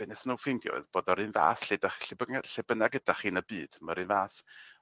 be' nethon n'w ffeindio oedd bod yr un fath lle 'dach lle bygna- lle bynnag ydach chi'n y byd ma'r un fath.